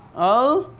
ừ